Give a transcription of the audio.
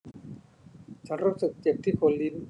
ฉันรู้สึกเจ็บที่โคนลิ้น